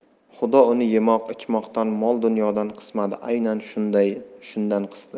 xudo uni yemoq ichmoqdan mol dunyodan qismadi aynan shundan qisdi